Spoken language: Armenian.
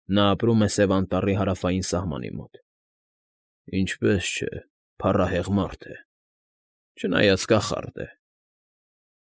Նա ապրում է Սև Անտառի հարավային սահմանի մոտ։ ֊ Ինչպես չէ, փառահեղ մարդ է, չնայած կախարդ է։